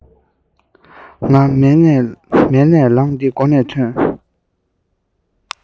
ང མལ ལས ལངས ཏེ སྒོ ནས ཐོན